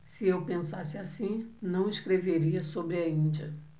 se eu pensasse assim não escreveria sobre a índia